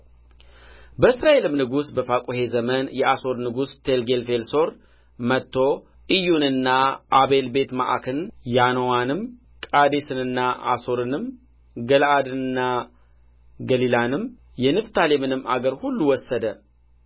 በእስራኤልም ንጉሥ በፋቁሔ ዘመን የአሦር ንጉሥ ቴልጌልቴልፌልሶር መጥቶ ዒዮንና አቤልቤትመዓካን ያኖዋንም ቃዴስንና አሶርንም ገለዓድንና ገሊላንም የንፍታሌምን አገር ሁሉ ወሰደ